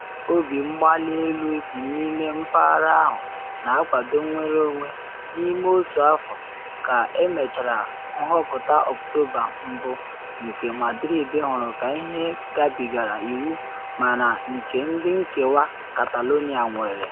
Obi mgbali elu dị n’ime mpaghara ahụ na akwado nnwere onwe n’ime otu afọ ka emechara nhọpụta Ọktoba 1 nke Madrid hụrụ ka ihe gabigara iwu mana nke ndị nkewa Catalonia nwụrịrị.